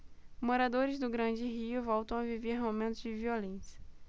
moradores do grande rio voltam a viver momentos de violência